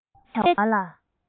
མཁས པའི བྱ བ ལ